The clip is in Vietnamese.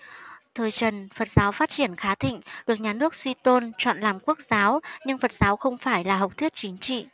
thời trần phật giáo phát triển khá thịnh được nhà nước suy tôn chọn làm quốc giáo nhưng phật giáo không phải là học thuyết chính trị